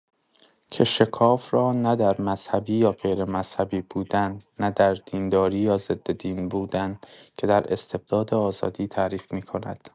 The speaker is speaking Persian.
که شکاف را نه در مذهبی یا غیرمذهبی بودن، نه در دینداری یا ضددین بودن که در «استبداد آزادی» تعریف می‌کند.